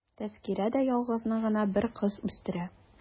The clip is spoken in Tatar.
Тәзкирә дә ялгызы гына бер кыз үстерә.